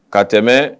Ka tɛmɛ